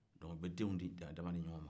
donku u bɛ denw di u yɛrɛ damaw ni ɲɔgɔn ma